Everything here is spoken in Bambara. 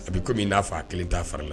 A bɛ komi min n'a fɔ a kelen t ta fari la